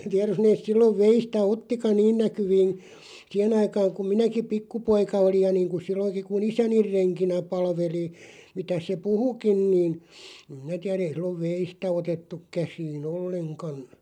tiedä jos ne silloin veistä ottikaan niin näkyviin siihen aikaan kun minäkin pikkupoika olin ja niin kuin silloinkin kun isäni renkinä palveli mitäs se puhuikin niin en minä tiedä ei silloin veistä otettu käsiin ollenkaan